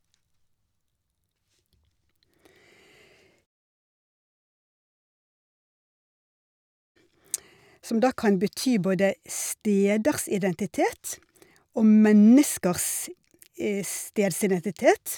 Som da kan bety både steders identitet og menneskers stedsidentitet.